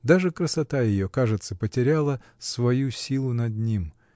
Даже красота ее, кажется, потеряла свою силу над ним